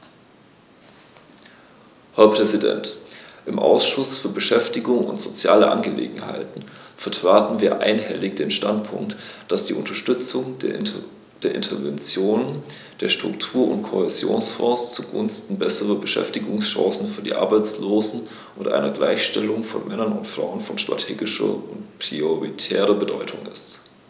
Herr Präsident, im Ausschuss für Beschäftigung und soziale Angelegenheiten vertraten wir einhellig den Standpunkt, dass die Unterstützung der Interventionen der Struktur- und Kohäsionsfonds zugunsten besserer Beschäftigungschancen für die Arbeitslosen und einer Gleichstellung von Männern und Frauen von strategischer und prioritärer Bedeutung ist.